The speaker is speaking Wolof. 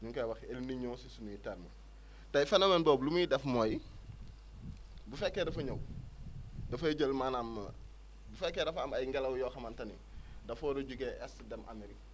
ñu ngi koy wax Elninio si suñuy termes tey phénomène boobu lu muy def mooy bu fekkee dafa ñëw dafay jël maanaam bu fekkee dafa am ay ngelaw yoo xamante ni dafa war a jugee est dem Amérique